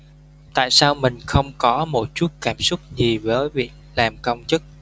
tại sao mình không có một chút cảm xúc gì với việc làm công chức